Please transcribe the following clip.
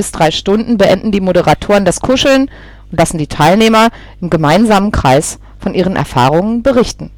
drei Stunden beenden die Moderatoren das Kuscheln und lassen die Teilnehmer im gemeinsamen Kreis von ihren Erfahrungen berichten